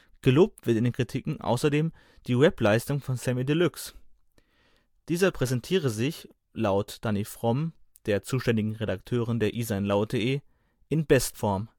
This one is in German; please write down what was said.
Gelobt wird in den Kritiken außerdem die Rap-Leistung von Samy Deluxe. Dieser präsentiere sich, laut Dani Fromm, der zuständigen Redakteurin der E-Zine Laut.de, „ in Bestform